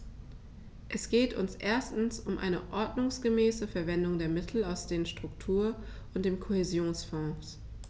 Es geht uns erstens um eine ordnungsgemäße Verwendung der Mittel aus den Struktur- und dem Kohäsionsfonds.